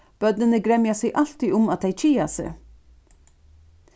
børnini gremja seg altíð um at tey keða seg